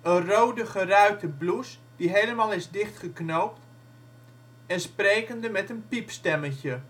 rode geruite blouse die helemaal is dichtgeknoopt en sprekende met een piepstemmetje